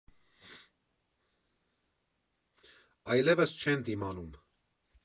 Այլևս չեն դիմանում։